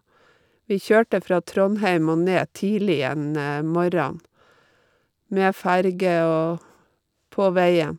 Vi kjørte fra Trondheim og ned tidlig en morgen, med ferge og på veien.